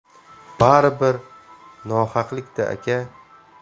baribir nohaqlik da aka